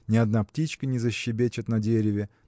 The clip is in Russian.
ни одна птичка не защебечет на дереве